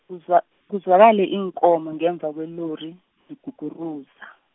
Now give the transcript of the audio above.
kuzwa-, kuzwakale iinkomo ngemva kwelori, ziguguruza.